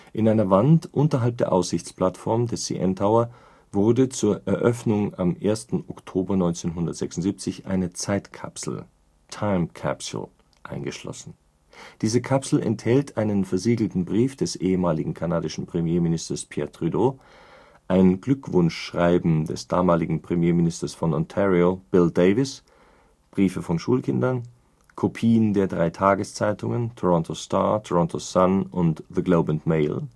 In einer Wand unterhalb der Aussichtsplattform des CN Tower wurde zur Eröffnung am 1. Oktober 1976 eine Zeitkapsel (engl.: time capsule) eingeschlossen. Diese Kapsel enthält einen versiegelten Brief des ehemaligen kanadischen Premierministers Pierre Trudeau, ein Glückwunschschreiben des damaligen Premierministers von Ontario Bill Davis, Briefe von Schulkindern, Kopien der drei Tageszeitungen Toronto Star, Toronto Sun und The Globe and Mail